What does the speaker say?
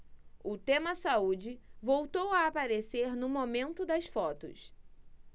o tema saúde voltou a aparecer no momento das fotos